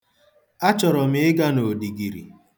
Achọrọ m ịga n'odigiri.